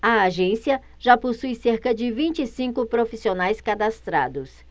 a agência já possui cerca de vinte e cinco profissionais cadastrados